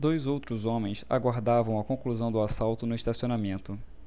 dois outros homens aguardavam a conclusão do assalto no estacionamento